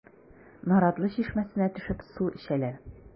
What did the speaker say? Наратлы чишмәсенә төшеп су эчәләр.